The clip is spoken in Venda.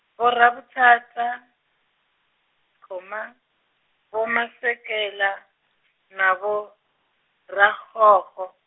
Vho Rabothata, khoma, Vho Masekela na Vho Rakgokgo.